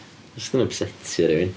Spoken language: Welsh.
Ma' jyst yn upsettio rywun.